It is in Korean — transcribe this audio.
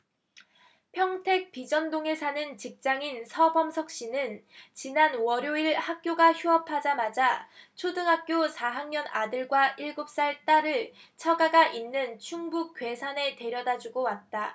평택 비전동에 사는 직장인 서범석씨는 지난 월요일 학교가 휴업하자마자 초등학교 사 학년 아들과 일곱 살 딸을 처가가 있는 충북 괴산에 데려다주고 왔다